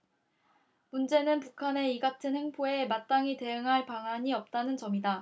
문제는 북한의 이 같은 횡포에 마땅히 대응할 방안이 없다는 점이다